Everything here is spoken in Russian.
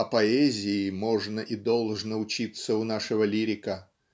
а поэзии можно и должно учиться у нашего лирика.